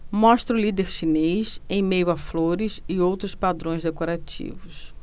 mostra o líder chinês em meio a flores e outros padrões decorativos